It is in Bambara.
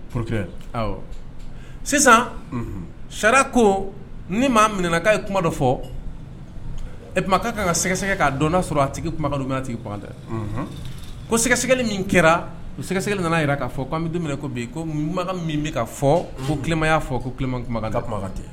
Sisanha ko ni maa minɛkaw ye kuma dɔ fɔ e kuma ka kan ka sɛgɛsɛgɛ ka dɔn sɔrɔ a tigi kuma tigitɛ ko sɛgɛsɛgɛli min kɛra sɛgɛsɛgɛ nana jira'a fɔ' an bɛ daminɛ ko bi ko kuma min bɛ ka fɔ ko kuma y'a fɔ koma kumakan ka kuma ka tɛ